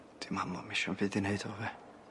'Di mam o'm isio'm fyd i neud efo fi.